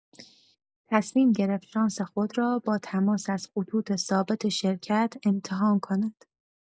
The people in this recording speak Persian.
تصمیم گرفت شانس خود را با تماس از خطوط ثابت شرکت امتحان کند.